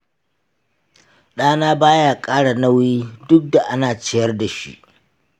ɗana ba ya ƙara nauyi duk da ana ciyar da shi.